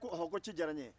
ko ɔhɔn ci diyara n ye